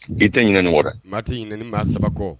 I tɛ ɲin nin wa waati tɛ ɲin maa sabakɔ